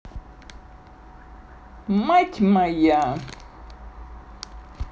мать моя